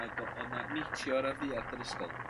ag o' o' 'na meteor ar fuarth yr ysgol.